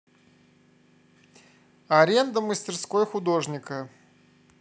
аренда мастерской художника